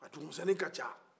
a dugu misɛnnin ka ca